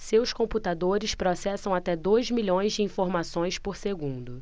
seus computadores processam até dois milhões de informações por segundo